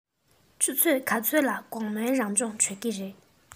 ཆུ ཚོད ག ཚོད ལ དགོང མོའི རང སྦྱོང གྲོལ གྱི རེད